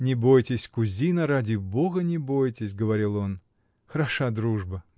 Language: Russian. — Не бойтесь, кузина, ради Бога, не бойтесь, — говорил он. — Хороша дружба!